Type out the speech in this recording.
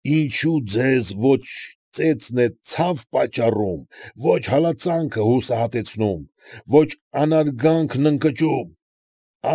Ինչո՞ւ ձեզ ոչ ծեծն է ցավ պատճառում, ոչ հալածանքը հուսահատեցնում, ոչ անարգանքն ընկճում։